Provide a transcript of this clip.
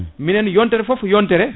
minen yontere foof yontere